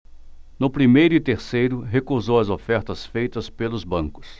no primeiro e terceiro recusou as ofertas feitas pelos bancos